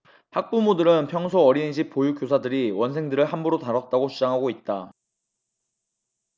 학부모들은 평소 어린이집 보육교사들이 원생들을 함부로 다뤘다고 주장하고 있다